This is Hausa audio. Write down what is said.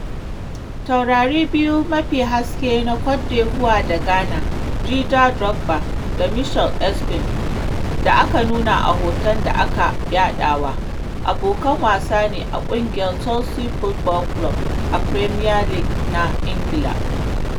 Taurari biyu mafi haske na Côte d'Ivoire da Ghana, Dider Drogba da Michael Essien (da aka nuna a hoton da aka yaɗawa), abokan wasa ne a ƙungiyar Chelsea Football Club a Premier League na Ingila.